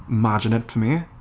Imagine it for me.